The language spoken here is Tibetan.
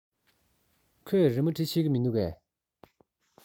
ཁོས རི མོ འབྲི ཤེས ཀྱི མིན འདུག གས